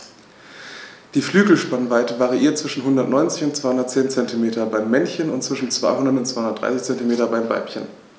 Die Flügelspannweite variiert zwischen 190 und 210 cm beim Männchen und zwischen 200 und 230 cm beim Weibchen.